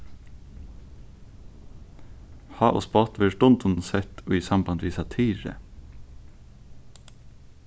háð og spott verður stundum sett í samband við satiru